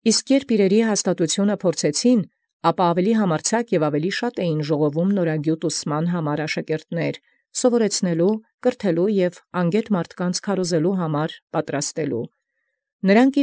Իսկ իբրև զչափ առեալ զիրացն հաստատութեան, և համարձակագոյն և առաւելագոյն զաշակերտութիւնն նորագիւտ վարդապետութեանն խմբէին ուսուցանել և թեքել, և պատրաստական քարոզութեանն անգէտ մարդկան յաւրինել։